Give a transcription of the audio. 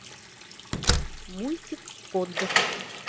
мультик код